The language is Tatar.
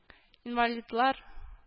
Инвалидлар